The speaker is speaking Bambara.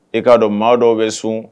E k'a dɔn maa dɔw bɛ sun